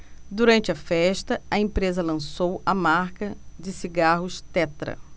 durante a festa a empresa lançou a marca de cigarros tetra